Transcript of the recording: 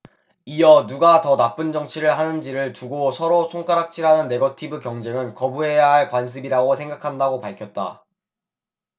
이어 누가 더 나쁜 정치를 하는 지를 두고 서로 손가락질 하는 네거티브 경쟁은 거부해야 할 관습이라고 생각한다고 밝혔다